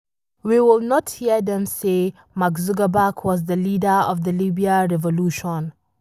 We will not hear them say: “Mark Zuckerberg was the leader of the Libyan revolution”